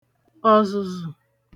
ọ̀zụ̀zụ̀